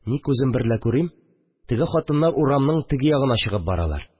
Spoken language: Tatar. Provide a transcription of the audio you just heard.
Ни күзем берлә күрим, теге хатыннар урамның теге ягына чыгып баралар